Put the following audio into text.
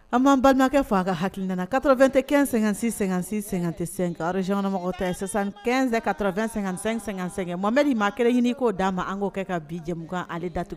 An'an balimakɛ faga a ka ha nana ka2 tɛɛn--sɛ-sɛ tɛ sen zbagaw ta sisan-sɛ ka2--sɛ-sɛgɛ momɛri maa kɛlɛ ɲini k'o d' ma an' kɛ ka binjamukan ale datigɛ